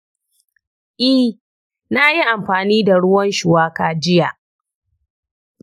ee, na yi amfani da ruwan shuwaka jiya.